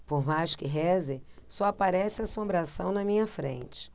por mais que reze só aparece assombração na minha frente